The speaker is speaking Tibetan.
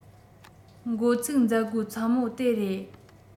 འགོ ཚུགས མཛད སྒོའི མཚན མོ དེ རེད